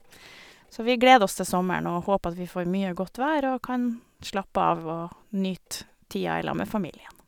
Så vi gleder oss til sommeren og håper at vi får mye godt vær og kan slappe av og nyte tida i lag med familien.